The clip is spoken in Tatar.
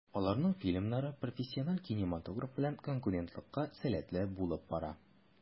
Аларның фильмнары профессиональ кинематограф белән конкурентлыкка сәләтле булып бара.